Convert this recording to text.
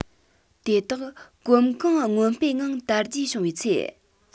དེ དག གོམ གང སྔོན སྤོས ངང དར རྒྱས བྱུང བའི ཚེ